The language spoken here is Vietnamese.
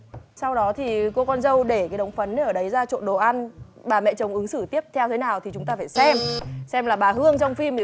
sau đó thì cô con dâu để cái đống phấn ở đấy ra trộn đồ ăn bà mẹ chồng ứng xử tiếp theo thế nào thì chúng ta phải xem xem là bà hương trong phim